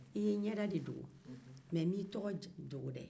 i ye i ɲɛda de dogo mɛ i ma i tɔgɔ dogo dɛɛ